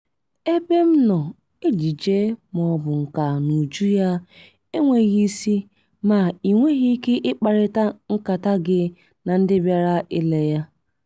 Ebe m nọ, ejije, maọbụ nkà n'uju ya, enweghị isi ma i nweghị ike ikparita nkata gị na ndị bịara ile ya.